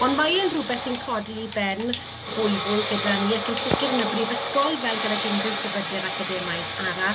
Ond mae e'n rhywbeth sy'n codi i ben fwy fwy gyda ni ac yn sicr yn y Brifysgol, fel gydag unryw sefydliad academaidd arall.